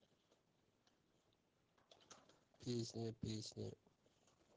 песня песня